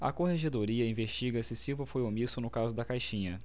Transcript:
a corregedoria investiga se silva foi omisso no caso da caixinha